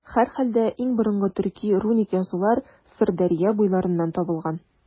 Һәрхәлдә, иң борынгы төрки руник язулар Сырдәрья буйларыннан табылган.